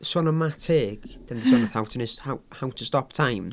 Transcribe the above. Sôn am Matt Haig... ia ...dan ni di sôn am How to nis- h- How to stop time.